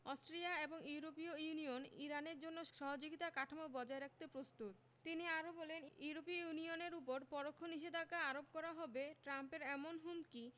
Austria এবং ইউরোপীয় union ইরানের জন্য সহযোগিতা কাঠামো বজায় রাখতে প্রস্তুত তিনি আরও বলেন ইউরোপীয় ইউনিয়নের ওপর পরোক্ষ নিষেধাজ্ঞা আরোপ করা হবে ট্রাম্পের এমন হুমকি